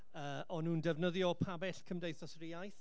y o'n nhw'n defnyddio pabell Cymdeithas yr Iaith